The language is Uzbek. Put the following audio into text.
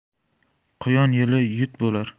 quyon yili yut bo'lar